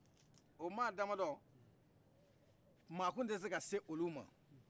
o mɔgɔ dama dɔ mɔgɔ tun ti se ka s'olu ma